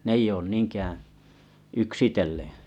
ne ei ole niinkään yksitellen